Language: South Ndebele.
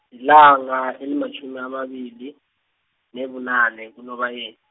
yilanga, elimatjhumi amabili, nebunane, kuNobayeni.